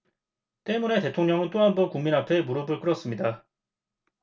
때문에 대통령은 또 한 번 국민 앞에 무릎을 꿇었습니다